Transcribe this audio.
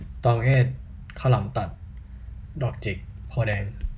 ตองเอซข้าวหลามตัดดอกจิกโพธิ์แดง